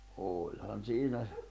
olihan siinä